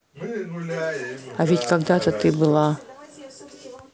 а ведь когда то ты была